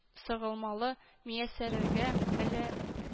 Сыгылмалы мияссәрәгә әллә